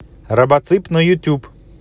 робоцып на ютюб